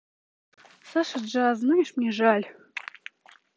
саша джаз знаешь мне жаль